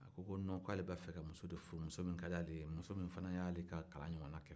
a ko non k'ale b'a fɛ ka muso de furu muso min ka d'ale muso min fana y'ale ka kalan ɲɔgɔn kɛ